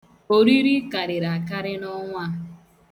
Oriri karịrị akarị n' ọnwa a.